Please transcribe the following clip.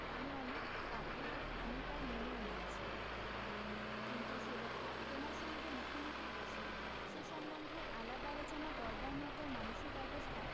আমি অনেক পাপকে আমি প্রায় মেনেও নিয়েছি কিন্তু সুলেখা তোমার সঙ্গে মুখোমুখি বসে সে সম্বন্ধে আলাপ আলোচনা করবার মতো মানসিক অবস্থায়